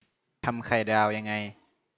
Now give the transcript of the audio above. ทำไข่ดาวยังไง